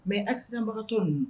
Mais accident bagatɔ ninnu